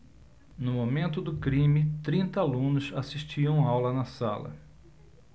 no momento do crime trinta alunos assistiam aula na sala